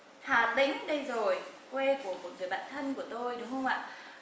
hà tĩnh đây rồi quê của một người bạn thân của tôi được không ạ